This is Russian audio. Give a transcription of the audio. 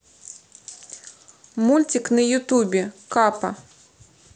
мультик на ютубе капа